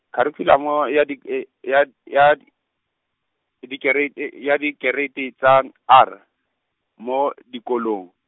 Kharikhulamo ya dik- , ya ya di-, dikere- , ya Dikereiti tsa R, mo dikolo.